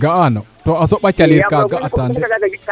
ga'ano to a soɓa calel kaga atano